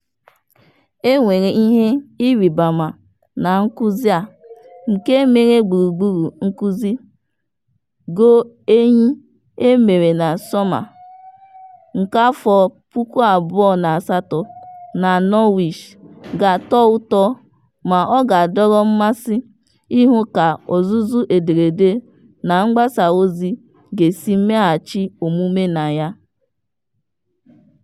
E nwere ihe ịrịbaama na nkụzi a - nke e mere gburugburu nkụzi Go Elephants e mere na Summer 2008 na Norwich- ga-atọ ụtọ ma ọ ga-adọrọ mmasị ịhụ ka ozuzu ederede na mgbasaozi ga-esi meghachi omume na ya.